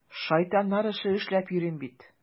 Шайтаннар эше эшләп йөрим бит!